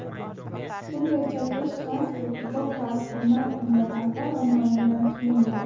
bunday chalkash transfer futbol tarixida na undan avval va na undan keyin bo'ldi